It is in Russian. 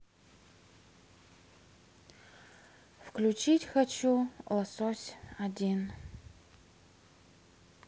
включить хочу лосось один